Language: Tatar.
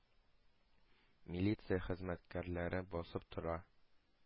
Милиция хезмәткәрләре басып тора.